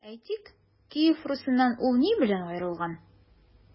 Әйтик, Киев Русеннан ул ни белән аерылган?